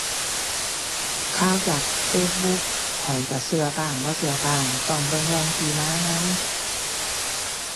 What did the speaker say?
ข่าวจาก Facebook ข้อยก็ก็บ้าง บ่ก็บ้าง ต้องเบิ่งแหล่งที่มานำ